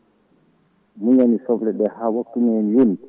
muñani sobleɗe ha wattu mumen yooni